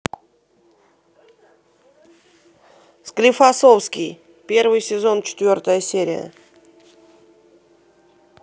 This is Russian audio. склифосовский первый сезон четвертая серия